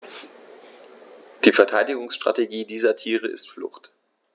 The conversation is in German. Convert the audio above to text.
Die Verteidigungsstrategie dieser Tiere ist Flucht.